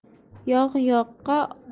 yog' yoqqa tomar